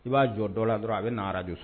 I b'a jɔ dɔ la dɔrɔn a bɛ naara de so